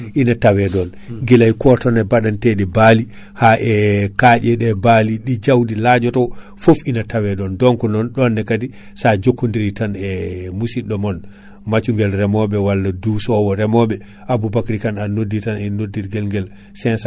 ha min keɓɓoyi kaadi produit ji traitement de semence suji goɗɗi yimɓeɓe kaadi ronkunoɓe hebde awdi Aprostar ɓe kaadi jeehi e won e magasin ji SPIA ji e wone yeyoɓe e wone banabanaji cooda ton kaadi poudre uji baɗa e awɗele mumen ha ɗum saabi hande o kaadi ndeemateri ndi e ndi hewi caɗele